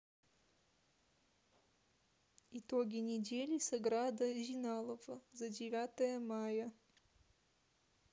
итоги недели саграда зиналова за девятое мая